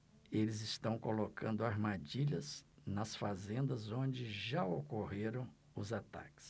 eles estão colocando armadilhas nas fazendas onde já ocorreram os ataques